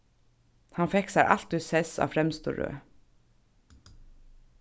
hann fekk sær altíð sess á fremstu røð